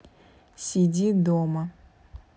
сиди дома